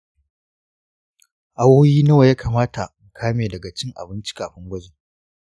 awowi nawa ya kamata in kame daga cin abinci kafin gwajin?